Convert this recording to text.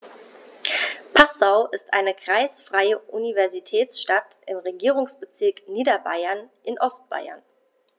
Passau ist eine kreisfreie Universitätsstadt im Regierungsbezirk Niederbayern in Ostbayern.